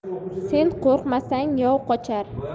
sen qo'rqmasang yov qochar